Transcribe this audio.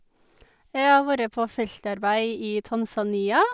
Jeg har vorre på feltarbeid i Tanzania.